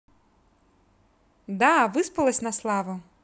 да выспалась на славу